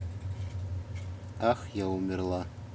ах я умерла